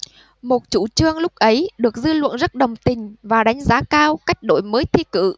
một chủ trương lúc ấy được dư luận rất đồng tình và đánh giá cao cách đổi mới thi cử